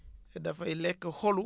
dafay lekk xolu